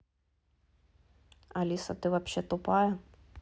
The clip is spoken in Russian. алиса ты вообще тупая